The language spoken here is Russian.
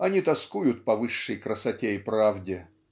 они тоскуют по высшей красоте и правде.